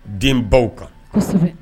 Den baw kan